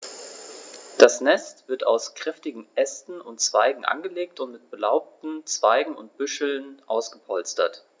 Das Nest wird aus kräftigen Ästen und Zweigen angelegt und mit belaubten Zweigen und Büscheln ausgepolstert.